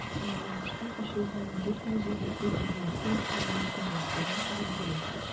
Яңагошта ачылган йорт-музей да шул игелекле эшләрнең иң мөһиме, билгеле.